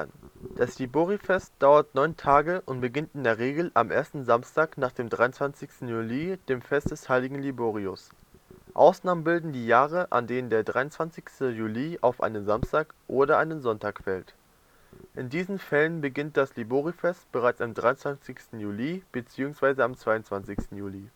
Das Liborifest dauert neun Tage und beginnt in der Regel am ersten Samstag nach dem 23. Juli, dem Fest des Hl. Liborius. Ausnahmen bilden die Jahre, an denen der 23. Juli auf einen Samstag oder einen Sonntag fällt. In diesen Fällen beginnt das Liborifest bereits am 23. Juli bzw. am 22. Juli